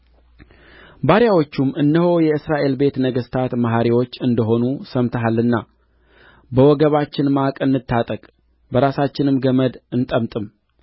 ባሪያዎቹም እነሆ የእስራኤል ቤት ነገሥታት መሐሪዎች እንደ ሆኑ ሰምተናል በወገባችን ማቅ እንታጠቅ በራሳችንም ገመድ እንጠምጥም